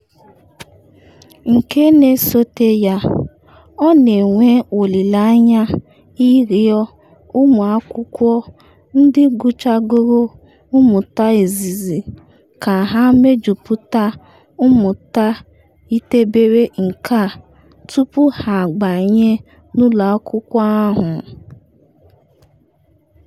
Nke na-esote ya, ọ na-enwe olile anya ịrịọ ụmụ akwụkwọ ndị gụchagoro mmụta izizi ka ha mejuputa mmụta yitebere nke a tupu ha abanye n’ụlọ akwụkwọ ahụ.